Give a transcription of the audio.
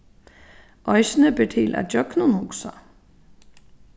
eisini ber til at gjøgnumhugsa